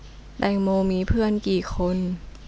แตงโมมีเพื่อนกี่คน